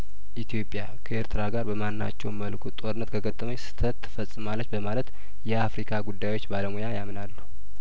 ኢትዮጵያ ከኤርትራ ጋር በማ ናቸውም መልኩ ጦርነት ከገጠመች ስተትት ፈጽማለች በማለት የአፍሪካ ጉዳዮች ባለሙያ ያምናሉ